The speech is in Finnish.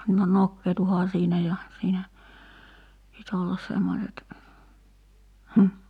no nokeutuuhan siinä ja siinä piti olla semmoiset mm